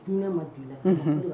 Nɛ ma di